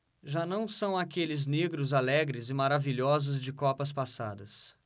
já não são aqueles negros alegres e maravilhosos de copas passadas